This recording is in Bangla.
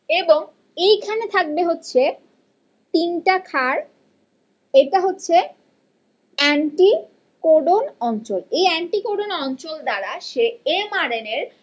এবং এখানে থাকবে হচ্ছে তিনটা ক্ষার এটা হচ্ছে এন্টিকোডন অঞ্চল এই এন্টিকোডন অঞ্চল দ্বারা সে এম আর এন এর